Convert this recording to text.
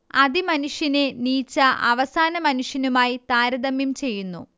അതിമനുഷ്യനെ Nietzsche അവസാനമനുഷ്യനുമായി താരതമ്യം ചെയ്യുന്നു